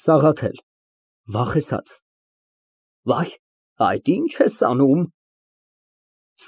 ՍԱՂԱԹԵԼ ֊ (Վախեցած) Վայ, այդ ի՞նչ ես անում։